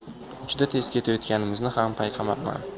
juda tez ketayotganimizni ham payqamabman